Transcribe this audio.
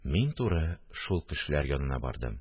Мин туры шул кешеләр янына бардым